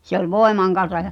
se oli voiman kanssa ja